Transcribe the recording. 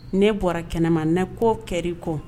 Ne bɔra kɛnɛ ma ne ko kɛ kɔ